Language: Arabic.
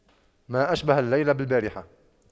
ما أشبه الليلة بالبارحة